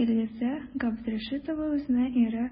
Илгизә Габдрәшитова үзенең ире